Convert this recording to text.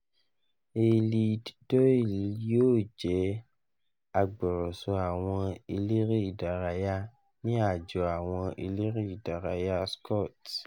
Eilidh Doyle yoo jẹ "agbọrọsọ awọn elere idaraya" ni Ajọ Awọn Elere idaraya Scott